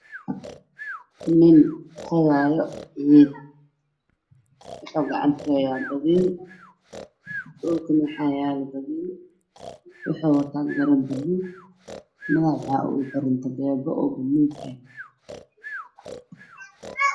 Meel ayey qodayaan waa laba nin badeel ay haystaan madaxa waxaa ugu xiran maro mura buluug ayuu qabaa